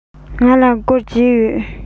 ང ལ སྒོར བརྒྱད ཡོད